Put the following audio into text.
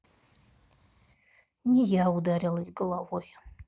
не я ударилась головой